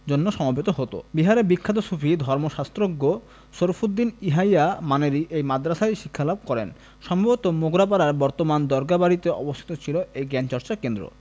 জন্য সমবেত হতো বিহারের বিখ্যাত সুফি ধর্মশাস্ত্রজ্ঞ শরফুদ্দীন ইয়াহিয়া মানেরী এই মাদ্রাসায়ই শিক্ষালাভ করেন সম্ভবত মোগরাপাড়ার বর্তমান দরগাহ বাড়িতে অবস্থিত ছিল এই জ্ঞানচর্চা কেন্দ্র